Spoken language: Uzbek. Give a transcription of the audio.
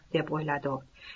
deb o'ylardi u